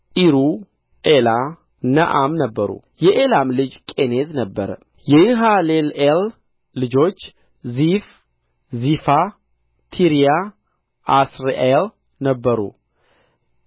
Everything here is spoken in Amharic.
ዒሩ ኤላ ነዓም ነበሩ የኤላም ልጅ ቄኔዝ ነበረ የይሃሌልኤል ልጆች ዚፍ ዚፋ ቲርያ አሣርኤል ነበሩ